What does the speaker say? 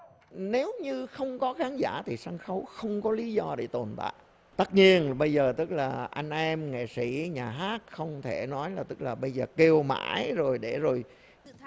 nếu như không có khán giả thì sân khấu không có lý do để tồn tại tất nhiên bây giờ tức là anh em nghệ sĩ nhà hát không thể nói là tức là bây giờ kêu mãi rồi để rồi